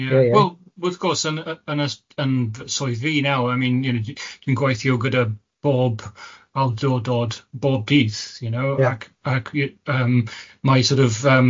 Ie. Wel wrth gwrs yn yn y s- yn swydd fi nawr I mean you know dwi'n gweithio gyda bob aldyrdod bob dydd you know ac ac... Ie. ...yym mae sort of yym